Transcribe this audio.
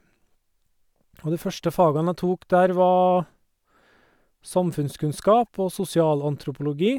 Og de første fagene jeg tok der var samfunnskunnskap og sosialantropologi.